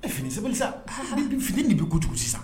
Ɛ fini sa fini de bɛ kojugu sisan